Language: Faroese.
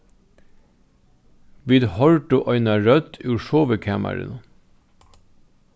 vit hoyrdu eina rødd úr sovikamarinum